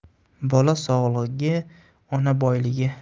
bola sog'ligi ona boyligi